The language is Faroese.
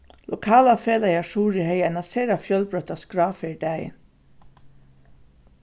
lokala felagið har suðuri hevði eina sera fjølbroytta skrá fyri dagin